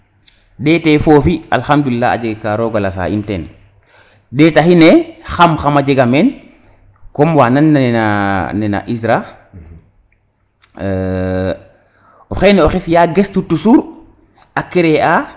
ndeto foofi alkhamdulila a jega ka roga lasa in ten ndeta xine xam xam a jega men comme wa nan nene IZRA o xene oxey fiya gestu toujours a creer a